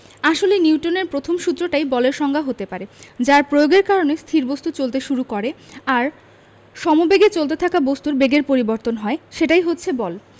আসলে নিউটনের প্রথম সূত্রটাই বলের সংজ্ঞা হতে পারে যার প্রয়োগের কারণে স্থির বস্তু চলতে শুরু করে আর সমবেগে চলতে থাকা বস্তুর বেগের পরিবর্তন হয় সেটাই হচ্ছে বল